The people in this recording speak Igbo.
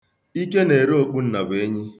Ike na-ere okpunnabuenyi.